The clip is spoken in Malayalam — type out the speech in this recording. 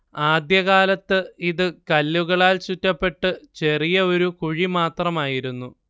ആദ്യ കാലത്ത് ഇത് കല്ലുകളാൽ ചുറ്റപ്പെട്ട് ചെറിയ ഒരു കുഴി മാത്രമായിരുന്നു